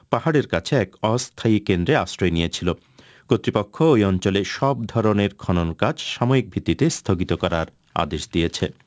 পাহাড়ের কাছে এক অস্থায়ী কেন্দ্রে আশ্রয় নিয়েছিল কর্তৃপক্ষ এই অঞ্চলে মনের খননকাজ সাময়িক ভিত্তিতে স্থগিত করার আদেশ দিয়েছে